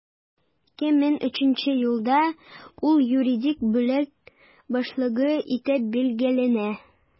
2003 елда ул юридик бүлек башлыгы итеп билгеләнә.